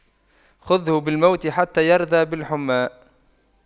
خُذْهُ بالموت حتى يرضى بالحُمَّى